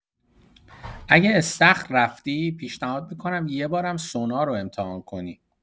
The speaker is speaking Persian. اگه استخر رفتی، پیشنهاد می‌کنم یه بار هم سونا رو امتحان کنی.